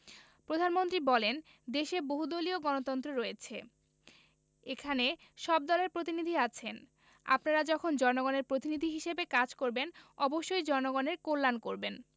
প্রধানমন্ত্রী বলেন দেশে বহুদলীয় গণতন্ত্র রয়েছে এখানে সব দলের প্রতিনিধি আছেন আপনারা যখন জনগণের প্রতিনিধি হিসেবে কাজ করবেন অবশ্যই জনগণের কল্যাণ করবেন